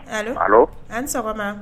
Allo Allo a' ni sɔgɔma